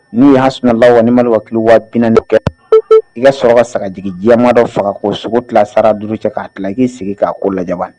N'u ye hasuna lawale mali ka kilo wa4inali kɛ i ka sɔrɔ ka sagaj diɲɛmaadɔ faga ko sogo tilasara duuru cɛ k'a tila k'i sigi k'a ko laban